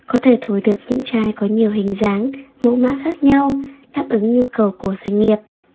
có thể thổi được những chai có nhiều hình dáng mẫu mã khác nhau đáp ứng nhu cầu của doanh nghiệp